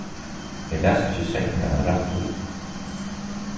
eg las ikki setningarnar rætt upp